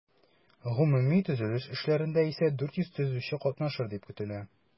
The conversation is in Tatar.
Гомуми төзелеш эшләрендә исә 400 төзүче катнашыр дип көтелә.